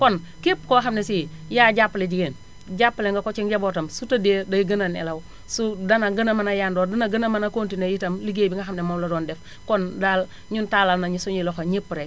kon képp koo xam ne sii yaa jàppale jigéen jàppale nga ko ci njabootam su tëddee day gën a nelaw su dana gën a mën a yandoor dina gën a mën a continué itam ligéey bi nga xam ne moom la doon def kon daal ñun tallal nañu suñuy loxo ñëpp rekk